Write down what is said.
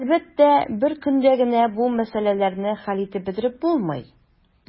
Әлбәттә, бер көндә генә бу мәсьәләләрне хәл итеп бетереп булмый.